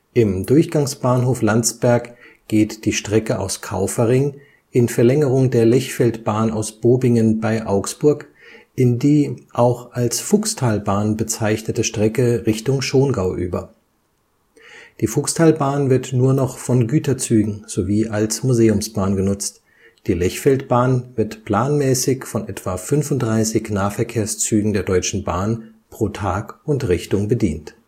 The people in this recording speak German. Im Durchgangsbahnhof Landsberg geht die Strecke aus Kaufering (in Verlängerung der Lechfeldbahn aus Bobingen bei Augsburg) in die auch als Fuchstalbahn bezeichnete Strecke Richtung Schongau über. Die Fuchstalbahn wird nur noch von Güterzügen sowie als Museumsbahn genutzt, die Lechfeldbahn wird planmäßig von etwa 35 Nahverkehrszügen der Deutschen Bahn pro Tag und Richtung bedient